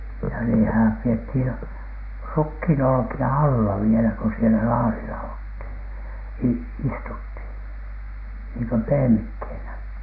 ja niitähän pidettiin rukiinolkia alla vielä kun siellä laarilla oltiin - istuttiin niin kuin pehmikkeenä